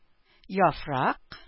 Яфрак